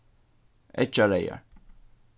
eggjareyðar